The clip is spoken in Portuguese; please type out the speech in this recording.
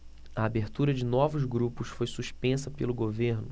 a abertura de novos grupos foi suspensa pelo governo